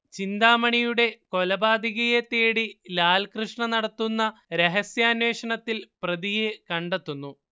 ചിന്താമണിയുടെ കൊലപാതകിയെത്തേടി ലാൽകൃഷ്ണ നടത്തുന്ന രഹസ്യാന്വേഷണത്തിൽ പ്രതിയെ കണ്ടെത്തുന്നു